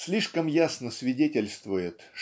слишком ясно свидетельствует